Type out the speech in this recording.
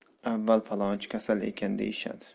avval falonchi kasal ekan deyishadi